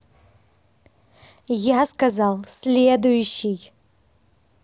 я сказал следующий